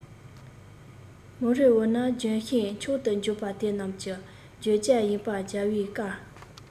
མོ རེ འོ ན ལྗོན ཤིང མཆོག ཏུ འགྱུར པ དེ རྣམས ཀྱི རྒྱུད བཅས ཡིན པ རྒྱལ བའི བཀའ